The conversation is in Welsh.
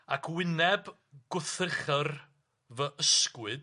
ac wyneb gwrthrychr fy ysgwyd.